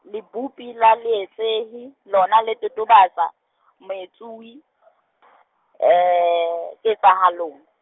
Lebopi la leetsehi lona le totobatsa moetsuwi, ketsahalong.